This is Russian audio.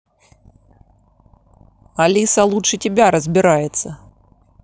алиса лучше тебя разбирается